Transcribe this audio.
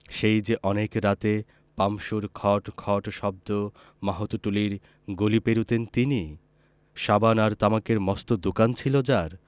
সেই যে অনেক রাতে পাম্পসুর খট খট শব্দ মাহুতটুলির গলি পেরুতেন তিনি সাবান আর তামাকের মস্ত দোকান ছিল যার